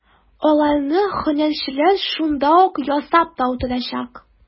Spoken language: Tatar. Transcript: Аларны һөнәрчеләр шунда ук ясап та утырачак.